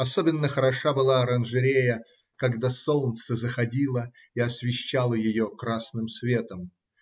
Особенно хороша была оранжерея, когда солнце заходило и освещало ее красным светом.